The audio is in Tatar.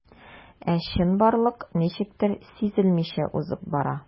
Ә чынбарлык ничектер сизелмичә узып бара.